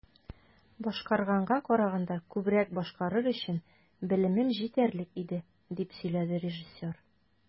"башкарганга караганда күбрәк башкарыр өчен белемем җитәрлек иде", - дип сөйләде режиссер.